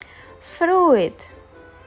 fruit